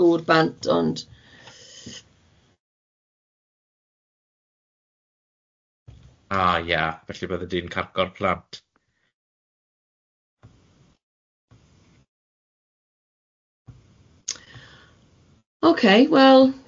gŵr bant, ond..Ah, ie, felly bydde di'n carco'r plant? Ocei wel.